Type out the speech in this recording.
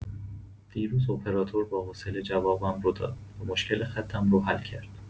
دیروز اپراتور با حوصله جوابم رو داد و مشکل خطم رو حل کرد.